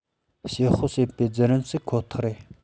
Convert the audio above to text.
དཔྱད དཔོག བྱེད པའི བརྒྱུད རིམ ཞིག ཁོ ཐག རེད